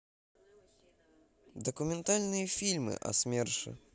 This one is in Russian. документальные фильмы о смерше